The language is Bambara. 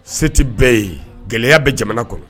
Se tɛ bɛɛ ye gɛlɛya bɛ jamana kɔnɔ